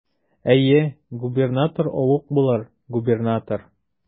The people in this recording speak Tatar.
Әйе, губернатор олуг булыр, губернатор.